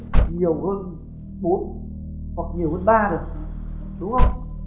nhiều hơn bốn hoặc nhiều hơn ba được đúng hông